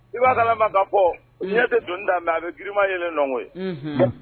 I b'ama ka ko diɲɛ tɛ dun da mɛ a bɛ giirima yelen nɔn ye